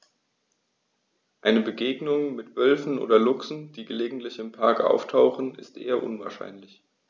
Eine Begegnung mit Wölfen oder Luchsen, die gelegentlich im Park auftauchen, ist eher unwahrscheinlich.